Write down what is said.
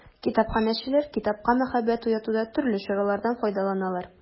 Китапханәчеләр китапка мәхәббәт уятуда төрле чаралардан файдаланалар.